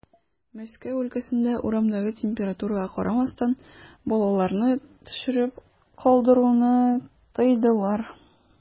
Мәскәү өлкәсендә, урамдагы температурага карамастан, балаларны төшереп калдыруны тыйдылар.